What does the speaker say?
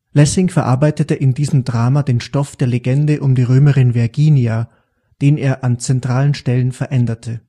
Lessing verarbeitete in diesem Drama den Stoff der Legende um die Römerin Verginia, den er an zentralen Stellen veränderte